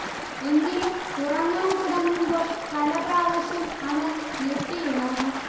എങ്കിലും ഉറങ്ങാൻ തുടങ്ങുമ്പോൾ പല പ്രാവശ്യം അവൻ ഞെട്ടി ഉണർന്നു